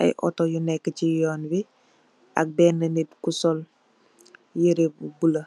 Aye otu yu neka se yonn be ak bene nete ku sol yere bu bluelo